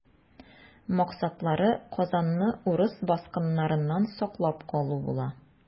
Максатлары Казанны урыс баскыннарыннан саклап калу була.